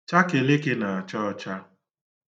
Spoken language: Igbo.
Chakeleke na-acha ọcha.